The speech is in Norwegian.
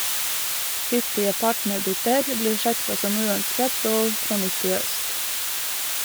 Hyppige partnerbytter blir sett på som uønsket og promiskuøst.